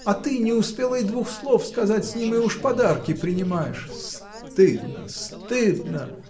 А ты не успела и двух слов сказать с ним, и уж подарки принимаешь. Стыдно, стыдно!